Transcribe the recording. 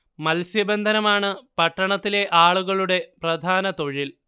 മത്സ്യബന്ധനമാണ് പട്ടണത്തിലെ ആളുകളുടെ പ്രധാന തൊഴിൽ